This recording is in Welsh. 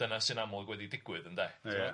dyna sy'n amlwg wedi digwydd ynde ia ia ia.